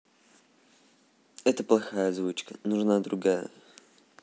это плохая озвучка нужна другая